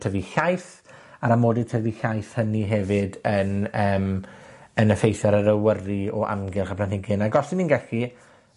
tyfu llaith, a'r amode tyfu llaith hynny hefyd yn yym, yn effeitho ar yr awyru o amgylch y planhigyn. Ag os 'yn ni'n gallu